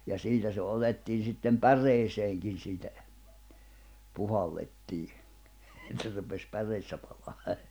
ja siitä se otettiin sitten päreeseenkin siitä puhallettiin että se rupesi päreessä palamaan